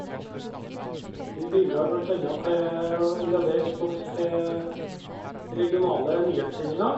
Vi bidrar blant anna til å levere stoff til regionale nyhetssendinger.